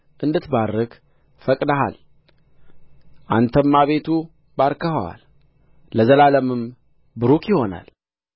እንድትባርክ ፈቅደሃል አንተም አቤቱ ባርከኸዋል ለዘላለምም ቡሩክ ይሆናል